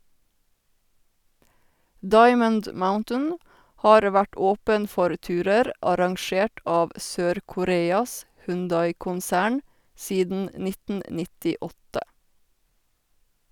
Diamond Mountain har vært åpen for turer arrangert av Sør-Koreas Hyundai-konsern siden 1998.